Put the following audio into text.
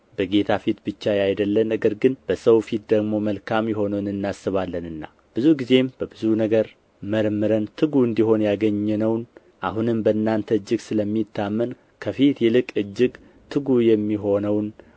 በጌታ ፊት ብቻ ያይደለ ነገር ግን በሰው ፊት ደግሞ መልካም የሆነውን እናስባለንና ብዙ ጊዜም በብዙ ነገር መርምረን ትጉ እንደ ሆነ ያገኘነውን አሁንም በእናንተ እጅግ ስለሚታመን ከፊት ይልቅ እጅግ ትጉ የሚሆነውን